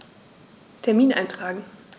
Termin eintragen